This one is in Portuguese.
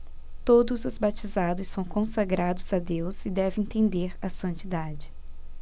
todos os batizados são consagrados a deus e devem tender à santidade